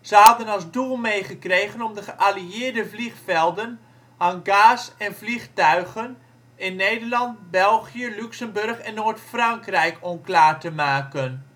Ze hadden als doel meegekregen om de geallieerde vliegvelden, hangars en vliegtuigen in Nederland, België, Luxemburg en Noord-Frankrijk onklaar te maken